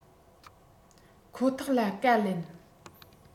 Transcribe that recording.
ཁོ ཐག ལ བཀའ ལན